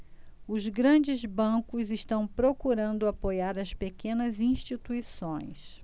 os grandes bancos estão procurando apoiar as pequenas instituições